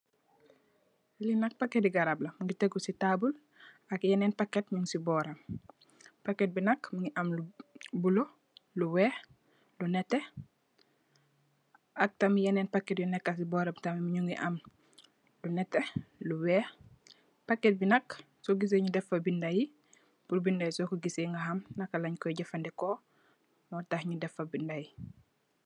Li nak paketti garap mu ngi tégu ci tabull ak yenen paket ñing ci bóram. Paket bi nak mugii am lu bula , lu wèèx, lu netteh ak tam yenen paket yu nèkka ci bóram mu ngi am lu netteh, lu wèèx. Paket bi nak so gis say ñi def ci bindé yi purr bindé so gis say nga ham nakka lèèn koy jafandiko mo tax ngi def fa bindé yi.